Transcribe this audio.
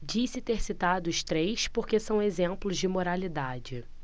disse ter citado os três porque são exemplos de moralidade